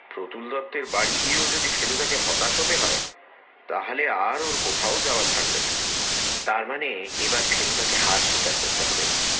প্রতুল দত্তের বাড়ি গিয়েও যদি ফেলুদাকে হতাশ হতে হয় তা হলে আর ওর কোথাও যাবার থাকবে না তার মানে এবার ফেলুদাকে হার স্বীকার করতে হবে